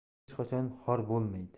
hech qachon xor bo'lmaydi